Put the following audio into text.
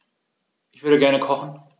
Ich würde gerne kochen.